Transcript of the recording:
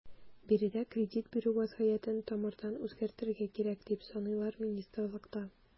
Биредә кредит бирү вәзгыятен тамырдан үзгәртергә кирәк, дип саныйлар министрлыкта.